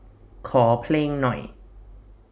ขอเพลงหน่อย